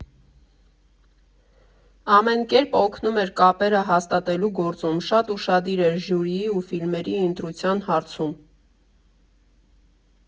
Ամեն կերպ օգնում էր կապերը հաստատելու գործում, շատ ուշադիր էր ժյուրիի ու ֆիլմերի ընտրության հարցում։